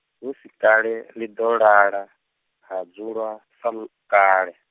hu si kale ḽi ḓo lala, ha dzulwa, sa m-, kale.